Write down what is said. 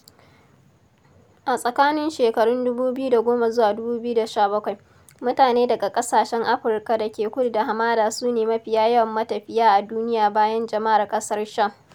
A tsakanin shekarun 2010-2017, mutane daga ƙasashen Afirka da ke kudu da hamada su ne mafiya yawan matafiya a duniya bayan jama'ar ƙasar Sham.